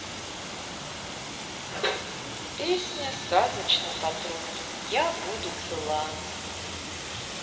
песня сказочный патруль я буду цела